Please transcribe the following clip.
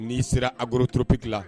N'i sera arotooropti la